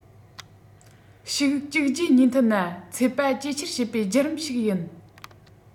ཞིག གཅིག རྗེས གཉིས མཐུད ན ཚད པ ཇེ ཆེར བྱེད པའི བརྒྱུད རིམ ཞིག ཡིན